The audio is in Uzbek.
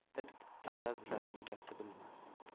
it arazlar egasi bilmas